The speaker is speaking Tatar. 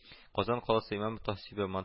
Казан каласы имам-мөхтәсибе